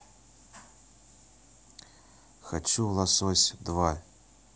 хочу лосось два